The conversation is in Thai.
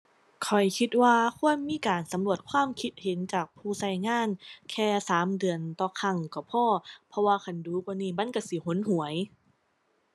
ข้อยคิดว่าควรมีการสำรวจความคิดเห็นจากผู้ใช้งานแค่สามเดือนต่อครั้งก็พอ เพราะว่าคันดู๋กว่านี้มันใช้สิหนหวย